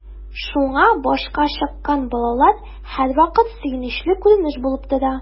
Шуңа “башка чыккан” балалар һәрвакыт сөенечле күренеш булып тора.